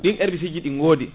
ɗi herbiciji ɗi goodi